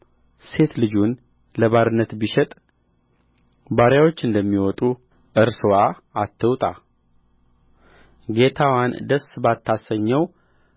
ሴት ልጁን ለባርነት ቢሸጥ ባሪያዎች እንደሚወጡ እርስዋ አትውጣ ጌታዋን ደስ ባታሰኘው